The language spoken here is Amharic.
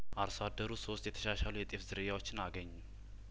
አርሶ አደሩ ሶስት የተሻሻሉ የጤፍ ዝርያዎችን አገኙ